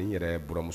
N yɛrɛ buranmuso